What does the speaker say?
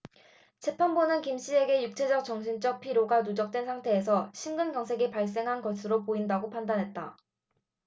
재판부는 김씨에게 육체적 정신적 피로가 누적된 상태에서 심근경색이 발생한 것으로 보인다고 판단했다